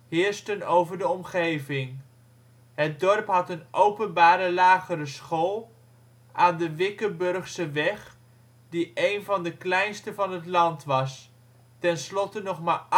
heersten over de omgeving. Het dorp had een openbare lagere school aan de Wickenburghseweg die een van de kleinste van het land was (tenslotte nog maar